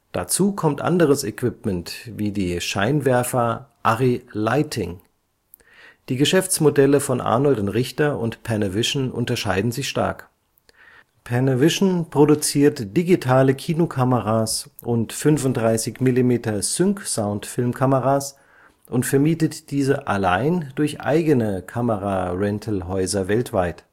Dazu kommt anderes Equipment, wie die Scheinwerfer Arri Lighting. Die Geschäftsmodelle von Arnold & Richter und Panavision unterscheiden sich stark. Panavision produziert digitale Kinokameras und 35-mm-SyncSound-Filmkameras und vermietet diese allein durch eigene Kamera-Rentalhäuser weltweit